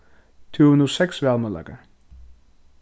tú hevur nú seks valmøguleikar